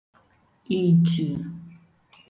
ìdtù